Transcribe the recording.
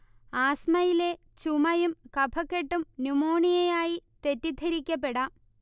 ആസ്മയിലെ ചുമയും കഫക്കെട്ടും ന്യുമോണിയയായി തെറ്റിദ്ധരിക്കപ്പെടാം